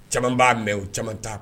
Caman ba mɛn , u caman ta